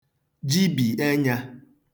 jibì enyā